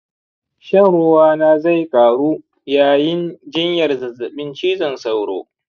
shan ruwana zai karu yayin jinyar zazzaɓin cizon sauro.